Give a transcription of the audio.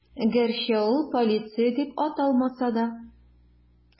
Гәрчә ул полиция дип аталмаса да.